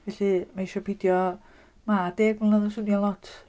Felly mae eisiau peidio... mae deg mlynedd yn swnio'n lot...